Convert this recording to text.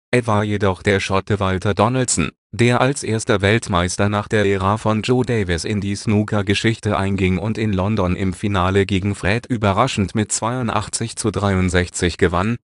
Es war jedoch der Schotte Walter Donaldson, der als erster Weltmeister nach der Ära von Joe Davis in die Snooker-Geschichte einging und in London im Finale gegen Fred überraschend mit 82:63 gewann